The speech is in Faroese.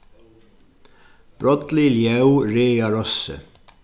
brádlig ljóð ræða rossið